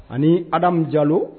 Ani ha adamamu jalo